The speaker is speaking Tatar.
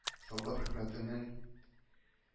Солдат хезмәтенең